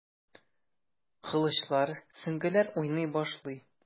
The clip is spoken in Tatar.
Кылычлар, сөңгеләр уйный башлый.